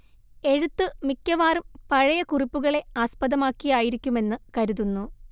എഴുത്ത് മിക്കവാറും പഴയ കുറിപ്പുകളെ ആസ്പദമാക്കിയായിരിക്കുമെന്ന് കരുതുന്നു